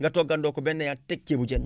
nga toggandoo ko ba ne yaa teg ceebu jën